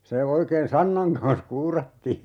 se oikein sannan kanssa kuurattiin